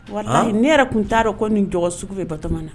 Ne yɛrɛ tun t'a dɔn ko nin dɔgɔ sugu bɛ bato na